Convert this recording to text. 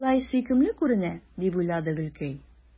Болай сөйкемле күренә, – дип уйлады Гөлкәй.